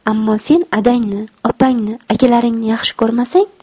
ammo sen adangni opangni akalaringni yaxshi ko'rmasang